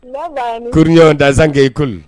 Kurunɲɔgɔnɔndsankee ko